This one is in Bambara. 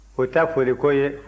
o tɛ foliko ye